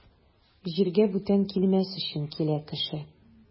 Җиргә бүтән килмәс өчен килә кеше.